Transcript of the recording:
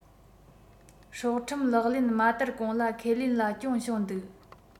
སྲོག ཁྲིམས ལག ལེན མ བསྟར གོང ལ ཁས ལེན ལ སྐྱོན བྱུང འདུག